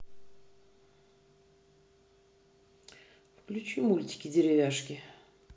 включи мультики деревяшки